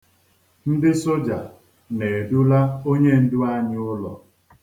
Ndị soja na-edula onyendu anyị ụlọ.